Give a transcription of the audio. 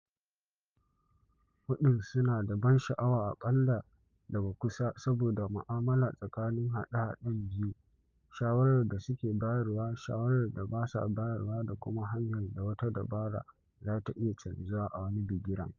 Ƙwallaye huɗun da haɗin huɗun suna da ban sha’awa a kalla daga kusa saboda ma’amala tsakanin haɗe-haɗen biyu, shawarar da suke bayarwa, shawarar da ba sa bayarwa da kuma hanyar da wata dabara za ta iya canjuwa a wani bigiren.